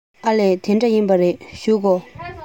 ཨ ལས དེ འདྲ ཡིན པ རེད བཞུགས དགོ